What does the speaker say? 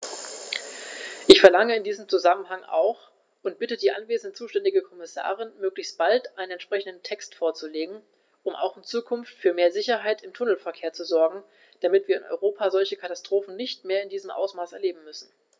Ich verlange in diesem Zusammenhang auch und bitte die anwesende zuständige Kommissarin, möglichst bald einen entsprechenden Text vorzulegen, um auch in Zukunft für mehr Sicherheit im Tunnelverkehr zu sorgen, damit wir in Europa solche Katastrophen nicht mehr in diesem Ausmaß erleben müssen!